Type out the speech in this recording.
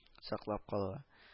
Саклап калуы